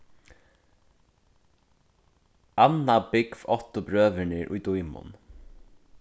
annað búgv áttu brøðurnir í dímun